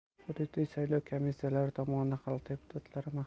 hududiy saylov komissiyalari tomonidan xalq deputatlari